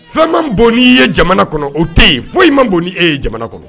Fɛn man bɔn n'i ye jamana kɔnɔ o tɛ yen foyi i man bon n' ee ye jamana kɔnɔ